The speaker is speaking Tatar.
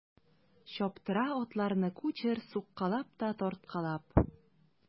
Чаптыра атларны кучер суккалап та тарткалап.